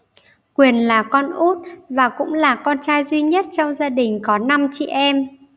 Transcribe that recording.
quyền là con út và cũng là con trai duy nhất trong gia đình có năm chị em